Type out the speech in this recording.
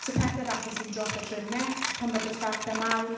So pethe falle sy'n dropo trwy'r net pan ma' dosbarthau mawr.